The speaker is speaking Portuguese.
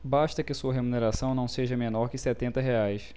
basta que sua remuneração não seja menor que setenta reais